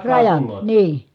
rajan niin